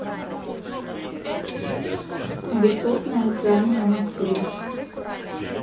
высотное здание в москве